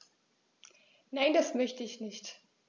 Nein, das möchte ich nicht.